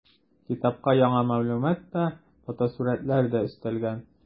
Китапка яңа мәгълүмат та, фотосурәтләр дә өстәлгән.